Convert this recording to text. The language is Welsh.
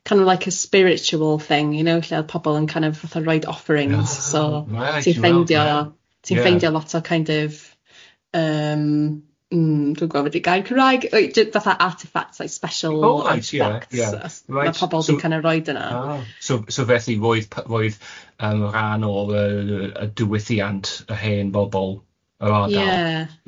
kind of like a spiritual thing you know, lle odd pobl yn kind of fatha rhoid offerings... Oh reit dwi'n gweld. ...so ti'n ffeindio... Ia. Ti'n ffeindio lot o kind of ymm mm dwi'n gwybod be di gair Cymraeg, y j- fatha artifacts, special arifacts... Reit ia. ...ma pobl di kind of rhoi yna. So, so felly roedd reoedd p- rhan o yy yy dywylliant pobl y hen bobl yr ardal... Ie. ...ie?